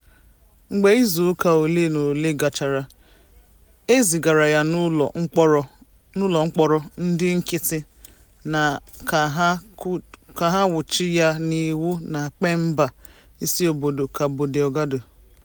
Mgbe izuụka ole na ole gachara, e zigara ya n'ụlọ mkpọrọ ndị nkịtị ka ha kwado nwụchi ya n'iwu na Pemba, isiobodo Cabo Delgado.